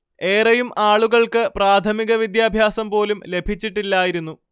ഏറെയും ആളുകൾക്ക് പ്രാഥമിക വിദ്യാഭ്യാസം പോലും ലഭിച്ചിട്ടില്ലായിരുന്നു